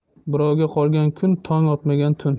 birovga qolgan kun tong otmagan tun